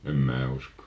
en minä usko